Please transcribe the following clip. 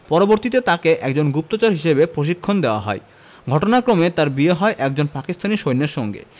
পরবর্তীতে তাকে একজন গুপ্তচর হিসেবে প্রশিক্ষণ দেওয়া হয় ঘটনাক্রমে তার বিয়ে হয় একজন পাকিস্তানী সৈন্যের সঙ্গে